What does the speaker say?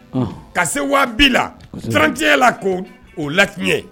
Ka se waatibi la ttiya la ko o lati ye